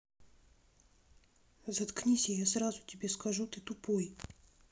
заткнись и я сразу тебе скажу ты тупой